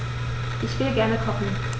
Ich will gerne kochen.